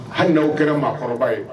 Hali n'aw kɛra maakɔrɔba ye